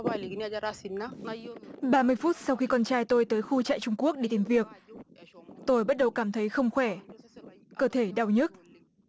ba mươi phút sau khi con trai tôi tới khu trại trung quốc để tìm việc chúng tôi bắt đầu cảm thấy không khỏe cơ thể đau nhức